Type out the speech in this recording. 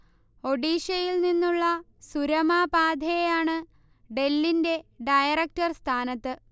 ഒഡിഷയിൽനിന്നുള്ള സുരമാ പാധേയാണ് ഡെല്ലിന്റെ ഡയറക്ടർ സ്ഥാനത്ത്